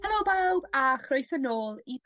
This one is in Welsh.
Helo bawb, a chroeso nôl i...